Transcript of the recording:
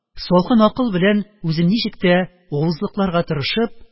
Салкын акыл белән үзен ничек тә авызлыкларга тырышып